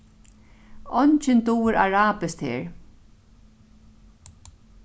eingin dugir arabiskt her